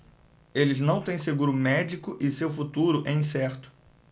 eles não têm seguro médico e seu futuro é incerto